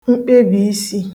mkpebìsi